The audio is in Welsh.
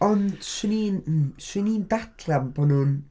Ond 'swn i'n, 'swn i'n dadlau bo' nhw'n...